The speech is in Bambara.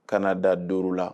Kaana da don la